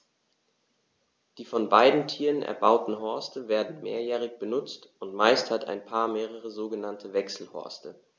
Die von beiden Tieren erbauten Horste werden mehrjährig benutzt, und meist hat ein Paar mehrere sogenannte Wechselhorste.